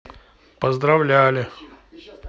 поздравляли